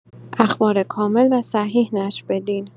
اخبار کامل و صحیح نشر بدین.